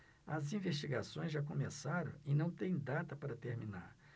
as investigações já começaram e não têm data para terminar